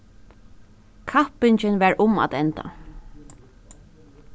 kappingin var um at enda